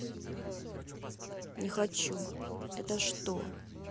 не хочу это что